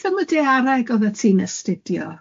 Beth am y daeareg oeddet ti'n astudio?